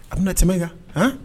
A bɛ tɛmɛ kan hɔn